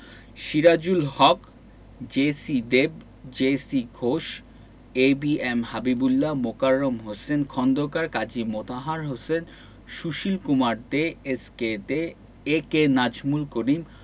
Sirajul Haque J C Dev J C Ghosh A B M Habibullah Mokarram Hossain Khondokar Kazi Motahar Hossain Sushil Kumar De S K De A K Nazmul Karim